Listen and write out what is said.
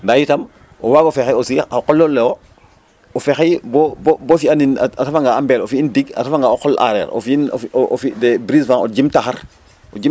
ndaa itam o waag o fexey aussi o qol ole wo' o fexey bo bo fi'aanin a refanga a mbel a fi'in tig a refanga o qol areer a fi' des brises vent o jimb taxar